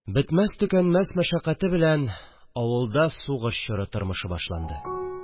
Бетмәс-төкәнмәс мәшәкате белән авылда сугыш чоры тормышы башланды